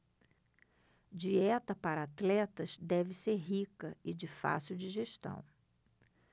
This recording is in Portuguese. dieta para atletas deve ser rica e de fácil digestão